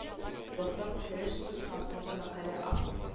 Дастан кереш сүз һәм соңгы мәкалә авт